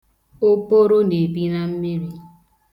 Oporo na-ebi na mmiri.